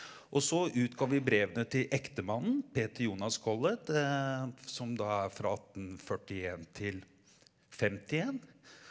og så utga vi brevene til ektemannen Peter Jonas Collett som da er fra 1841 til femtién.